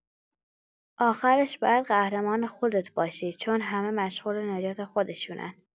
آخرش بایدقهرمان خودت باشی؛ چون همه مشغول نجات خودشونن!